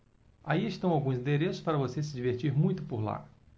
aí estão alguns endereços para você se divertir muito por lá